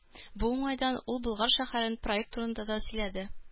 Бу уңайдан ул Болгар шәһәрен проект турында да сөйләде.